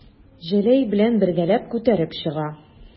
Җәләй белән бергәләп күтәреп чыга.